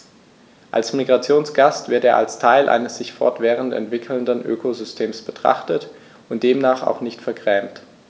Als Migrationsgast wird er als Teil eines sich fortwährend entwickelnden Ökosystems betrachtet und demnach auch nicht vergrämt.